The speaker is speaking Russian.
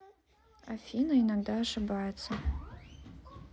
афина иногда ошибается